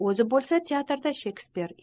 o'zi bo'lsa teatrda shekspir